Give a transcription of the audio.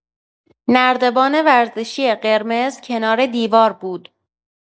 نردبان ورزشی قرمز کنار دیوار بود.